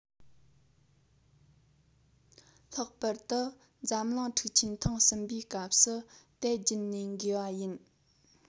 ལྷག པར དུ འཛམ གླིང འཁྲུག ཆེན ཐེངས གསུམ པའི སྐབས སུ དེ བརྒྱུད ནས འགོས པ ཡིན